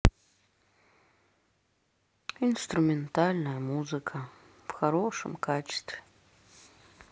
инструментальная музыка в хорошем качестве